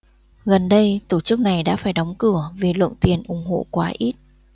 gần đây tổ chức này đã phải đóng cửa vì lượng tiền ủng hộ quá ít